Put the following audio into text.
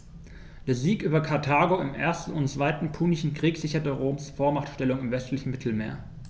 Der Sieg über Karthago im 1. und 2. Punischen Krieg sicherte Roms Vormachtstellung im westlichen Mittelmeer.